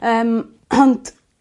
Yym ond